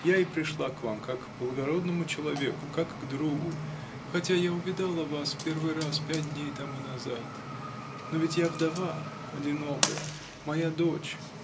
) Я и пришла к вам, как к благородному человеку, как к другу, хотя я увидала вас в первый раз пять дней тому назад. Но ведь я вдова, одинокая. Моя дочь.